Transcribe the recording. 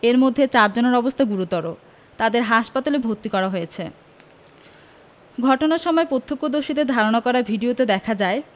এর মধ্যে চারজনের অবস্থা গুরুত্বর তাদের হাসপাতালে ভর্তি করা হয়েছে ঘটনার সময় প্রত্যক্ষদর্শীদের ধারণা করা ভিডিওতে দেখা যায়